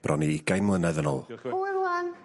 ...bron i ugain mlynedd yn ôl. Diolch fowr. Hwyl ŵan.